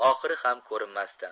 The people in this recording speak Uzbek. oxiri ham ko'rinmasdi